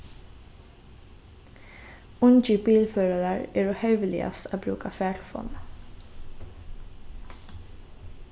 ungir bilførarar eru herviligast at brúka fartelefonina